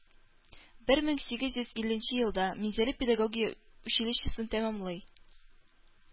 Бер мең сигез йөз илленче елда Минзәлә педагогия училищесын тәмамлый